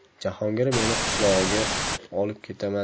jahongir meni qishlog'iga olib ketaman